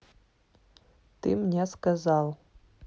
ты мне сказал